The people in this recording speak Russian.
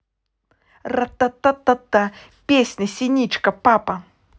ратататата песня синичка папа